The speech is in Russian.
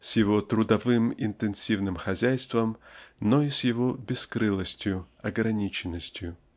с его трудовым интенсивным хозяйством но и с его бескрылостью ограниченностью.